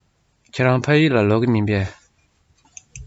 ཁྱེད རང ཕ ཡུལ ལ ལོག གི མིན པས